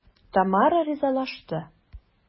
Тамара ризалашты.